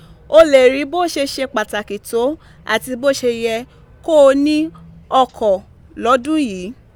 O lè rí bó ṣe ṣe pàtàkì tó àti bó ṣe yẹ kó o ní ọkọ̀ lọ́dún yìí.